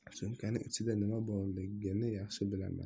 sumkaning ichida nima borligini yaxshi bilaman